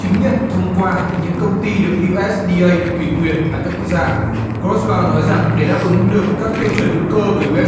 chứng nhận thông qua những công ty được usda ủy quyền tại các quốc gia có sao nói rằng để đáp ứng được các tiêu chuẩn hữu cơ của iu s